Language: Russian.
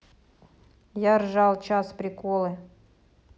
я ржал час приколы